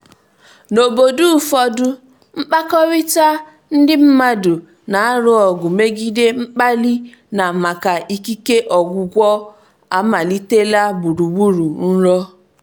N'obodo ụfọdụ, mkpakọrịta ndị mmadụ na-alụ ọgụ megide mkparị na maka ikike ọgwụgwọ amalitela gburugburu NRỌ.